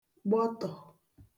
gbọtọ̀